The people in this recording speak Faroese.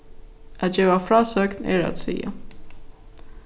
at geva frásøgn er at siga